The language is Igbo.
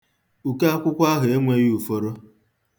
Uko akwụkwọ ahụ enweghị uforo.